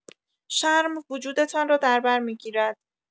شرم وجودتان را در بر می‌گیرد.